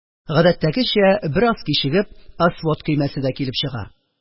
Гадәттәгечә бераз кичегеп, «Освод» көймәсе дә килеп чыга.